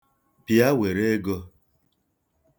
Bịa, were ego.